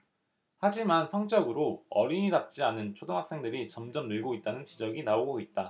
하지만 성적으로 어린이 답지 않은 초등학생들이 점점 늘고 있다는 지적이 나오고 있다